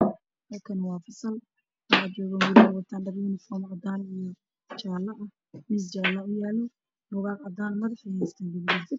Halkaan waa fasal waxaa joogo wiilal wato dhar yunifon cadaan iyo jaale ah, miis jaale ah ayaa horyaalo buugag cadaan ah ayaa saaran.